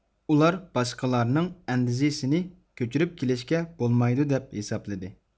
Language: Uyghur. ئۇلار باشقىلارنىڭ ئەندىزىسىنى كۆچۈرۈپ كېلىشكە بولمايدۇ دەپ ھېسابلىدى